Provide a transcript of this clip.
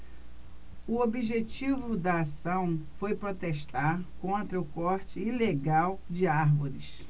o objetivo da ação foi protestar contra o corte ilegal de árvores